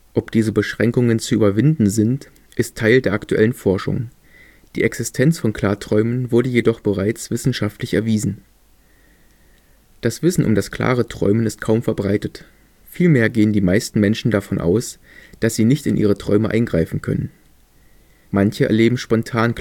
Ob diese Beschränkungen zu überwinden sind, ist Teil der aktuellen Forschung; die Existenz von Klarträumen wurde jedoch bereits wissenschaftlich erwiesen. Das Wissen um das klare Träumen ist kaum verbreitet. Vielmehr gehen die meisten Menschen davon aus, dass sie nicht in ihre Träume eingreifen können. Manche erleben spontan